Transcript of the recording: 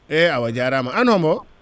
e awo jaarama an hombo